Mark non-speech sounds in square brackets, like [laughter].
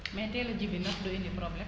[smacks lips] mais teel a ji bi [sniffs] ndax du indi problème